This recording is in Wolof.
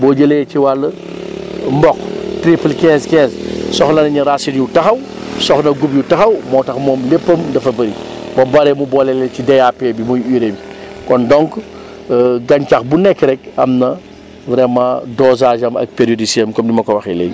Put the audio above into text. boo jëlee ci wàll mboq triple 15 15 soxla nañu racines yu taxaw soxla guub yu taxaw moo tax moom léppam dafa bëri ba pare mu boole leen ci DAP bi mooy urée bi kon donc gàncax bu nekk rek am na vraiment dosage am ak périodicité comme ni ma ko waxee léegi